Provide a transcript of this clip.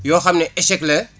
yoo xam ne échec la